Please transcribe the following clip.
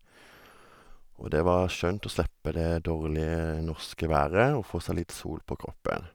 Og det var skjønt å slippe det dårlige norske været og få seg litt sol på kroppen.